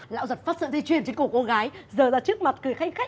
lão giật phắt sợi dây chuyền trên cổ cô gái giơ ra trước mặt cười khanh khách